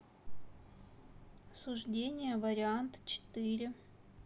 суждения вариант четыре